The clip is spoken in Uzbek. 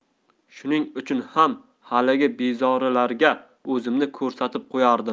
shuning uchun ham haligi bezorilarga o'zimni ko'rsatib qo'yardim